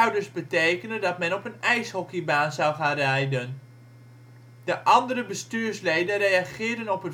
dus betekenen dat men op een ijshockeybaan zou gaan rijden. De andere bestuursleden reageerden op